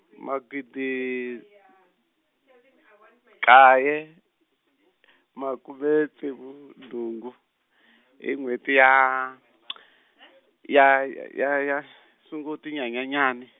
magidi, kaye, makume tsevu nhungu , hi n'wheti ya, ya ya ya ya Sunguti nya nya yani.